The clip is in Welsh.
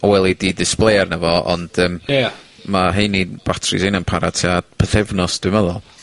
Ow Elle Eee Dee display arno fo ond yym... Ie. ...ma' rheini, batris reina'n para tua pythefnos dwi meddwl.